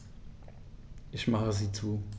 Ich mache sie zu.